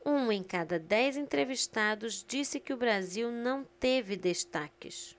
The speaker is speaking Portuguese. um em cada dez entrevistados disse que o brasil não teve destaques